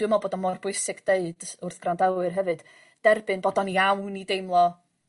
dwi me'wl bod o mor bwysig deud wrth gwrandawyr hefyd derbyn bod o'n iawn i deimlo